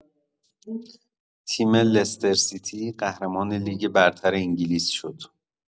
تیم لسترسیتی قهرمان لیگ برتر انگلیس شد.